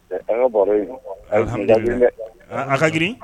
An ka yen a ka g